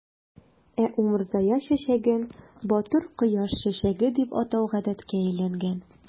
Ә умырзая чәчәген "батыр кояш чәчәге" дип атау гадәткә әйләнгән.